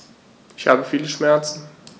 Ich habe viele Schmerzen.